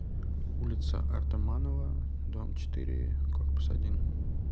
улица артамонова дом четыре корпус один